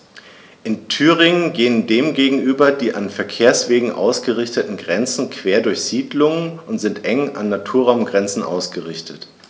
In Thüringen gehen dem gegenüber die an Verkehrswegen ausgerichteten Grenzen quer durch Siedlungen und sind eng an Naturraumgrenzen ausgerichtet.